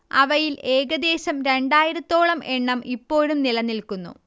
അവയിൽഏകദ്ദേശം രണ്ടായിരത്തോളം എണ്ണം ഇപ്പോഴും നിലനിൽക്കുന്നു